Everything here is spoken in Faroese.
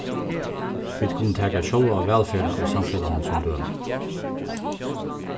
vit kunnu taka sjálva vælferðina í samfelagnum sum dømi